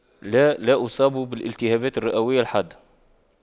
لا لا اصاب بالالتهابات الرئوية الحادة